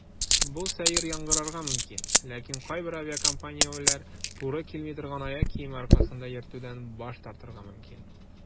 Бу сәер яңгырарга мөмкин, ләкин кайбер авиакомпанияләр туры килми торган аяк киеме аркасында йөртүдән баш тартырга мөмкин.